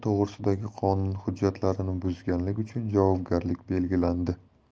to'g'risidagi qonun hujjatlarini buzganlik uchun javobgarlik belgilandi